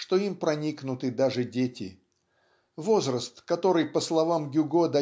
что им проникнуты даже дети возраст который по словам Гюго